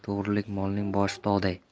to'g'rilik molning boshi tog'day